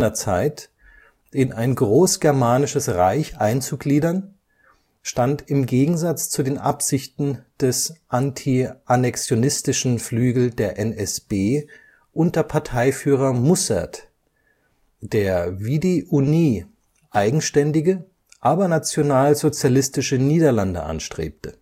Zeit “in ein großgermanisches Reich einzugliedern, stand im Gegensatz zu den Absichten des antiannexionistisches Flügel der NSB unter Parteiführer Mussert, der wie die Unie eigenständige, aber nationalsozialistische Niederlande anstrebte